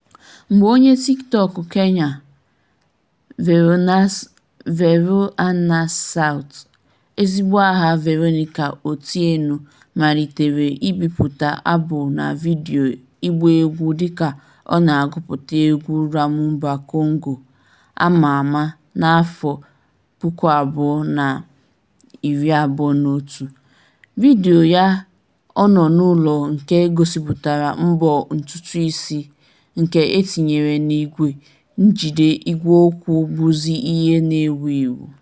Mgbe onye TikTok Kenya @Veroansalt (ezigbo aha Veronica Otieno) malitere mbipụta abụ na vidiyo ịgba egwu dịka ọ na-agụpụta egwu Rhumba Kongo a ma ama na 2021, vidiyo ya ọ n'ụlọ nke gosịpụtara mbọ ntụtụisi (mic) nke e tinyere n'igwe njide ígwèokwu bụzi ihe na-ewu ewu.